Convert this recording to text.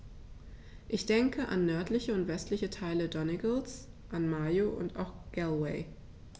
Ich denke an nördliche und westliche Teile Donegals, an Mayo, und auch Galway.